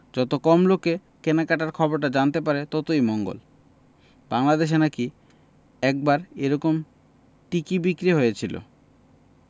যত কম লোকে কেনাকাটার খবরটা জানতে পারে ততই মঙ্গল বাঙলা দেশে নাকি একবার এরকম টিকি বিক্রি হয়েছিল